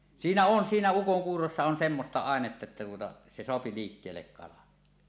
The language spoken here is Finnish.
siinä on siinä ukonkuurossa on semmoista ainetta että tuota se saa liikkeelle kalan